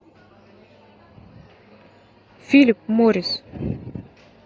philip morris